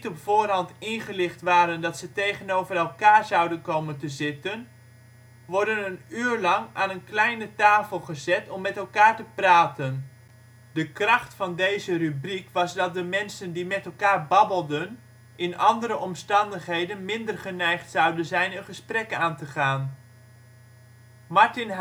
voorhand ingelicht waren dat ze tegenover elkaar zouden komen te zitten, worden een uur lang aan een kleine tafel gezet om met elkaar te praten. De kracht van deze rubriek was de mensen die met elkaar babbelden in andere omstandigheden minder geneigd zouden zijn een gesprek aan te gaan. Martin Heylen: Een